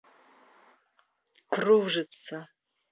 кружится